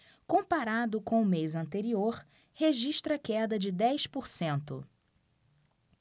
comparado com o mês anterior registra queda de dez por cento